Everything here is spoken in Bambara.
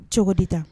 Cogo de taa